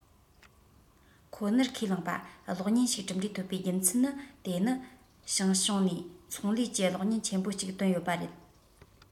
ཁོ ནར ཁས བླངས པ གློག བརྙན ཞིག གྲུབ འབྲས ཐོབ པའི རྒྱུ མཚན ནི དེ ནི ཞིག བྱུང ནས ཚོང ལས ཀྱི གློག བརྙན ཆེན མོ ཅིག བཏོན ཡོད པ རེད